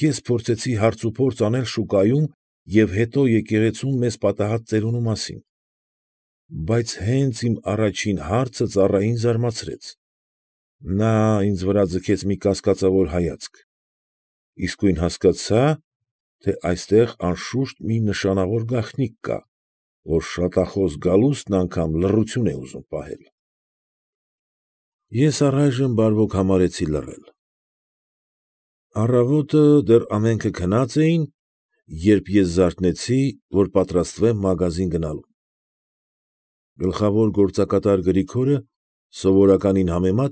Շիրվանզադե։